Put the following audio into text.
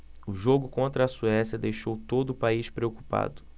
o jogo contra a suécia deixou todo o país preocupado